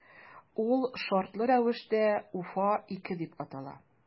Ул шартлы рәвештә “Уфа- 2” дип атала.